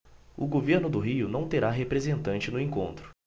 o governo do rio não terá representante no encontro